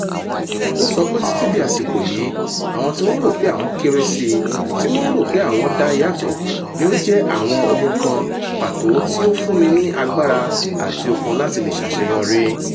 Ó sọ pé: "Títí di àsìkò yìí, àwọn tí wọ́n ń rò pé àwọn kéré sí, tí wọ̀n ń rò pé àwọn dáyàtọ̀, ní ó jẹ́ àwọn ohun kan pàtó tí ó fún mi ní agbára àti okun láti le ṣàṣeyọrí.”